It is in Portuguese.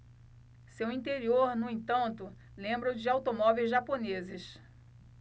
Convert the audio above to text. seu interior no entanto lembra o de automóveis japoneses